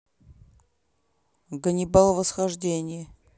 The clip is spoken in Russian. ганнибал восхождение